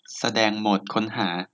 แสดงโหมดค้นหา